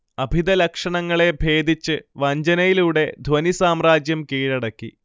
അഭിധ ലക്ഷണങ്ങളെ ഭേദിച്ച് വഞ്ജനയിലൂടെ ധ്വനിസാമ്രാജ്യം കീഴടക്കി